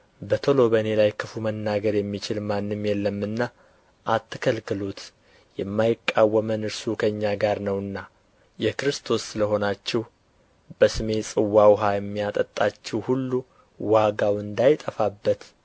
በቶሎ በእኔ ላይ ክፉ መናገር የሚችል ማንም የለምና አትከልክሉት የማይቃወመን እርሱ ከእኛ ጋር ነውና የክርስቶስ ስለ ሆናችሁ በስሜ ጽዋ ውኃ የሚያጠጣችሁ ሁሉ ዋጋው እንዳይጠፋበት